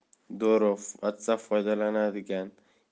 durov whatsapp foydalanadigan yelvizak